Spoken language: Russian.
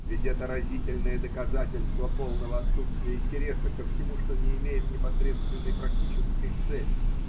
Ведь это разительное доказательство полного отсутствия интереса ко всему, что не имеет непосредственной практической пели.